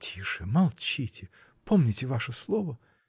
— Тише, молчите, помните ваше слово!